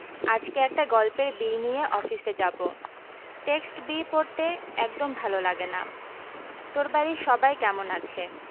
আজকে একটা গল্পের বি নিয়ে অফিসে যাব টেক্সট বি পড়তে একদম ভালো লাগে না তোর বাড়ীর সবাই কেমন আছে